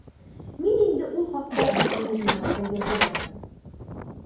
Мин инде ул хакта бүтән язмаларда яза да бардым.